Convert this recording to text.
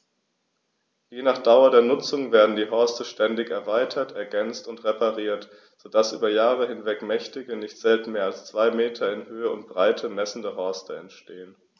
Je nach Dauer der Nutzung werden die Horste ständig erweitert, ergänzt und repariert, so dass über Jahre hinweg mächtige, nicht selten mehr als zwei Meter in Höhe und Breite messende Horste entstehen.